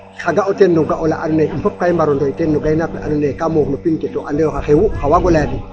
Xar ga'a o ten no ga' ola andoona yee in fop ka i mbar o ndoy teen no gaynaak we andoona yee ka moof no pind ke to ande yo xa xewu xa wadg o lay a den?